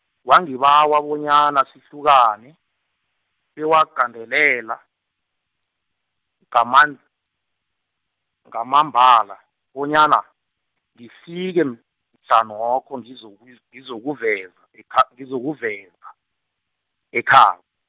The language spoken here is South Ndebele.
wangibawa bonyana sihlukane, bewagandelela, ngaman- ngamambala, bonyana, ngifike m-, mhlanokho ngizok- -giz- ngizok- kuveza ekha- ngizokuveza, ekha-.